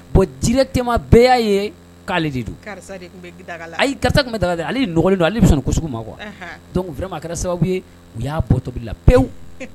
Bon jinɛ bɛɛ ye k'ale ale de karisa karisa bɛ da la ale don ale bɛ sɔn ma kuwaura kɛra sababu u y'a bɔ tobi la pewu